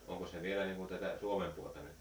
onko se vielä niin kuin tätä Suomen puolta nyt